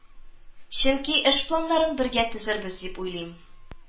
Чөнки эш планнарын бергә төзербез дип уйлыйм